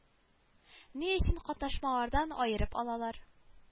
Ни өчен катнашмалардан аерып алалар